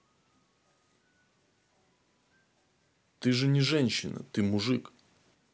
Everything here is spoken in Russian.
ты же не женщина ты мужик